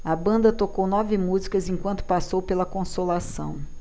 a banda tocou nove músicas enquanto passou pela consolação